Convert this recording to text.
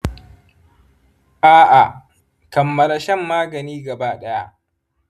a’a, kammala shan magani gaba ɗaya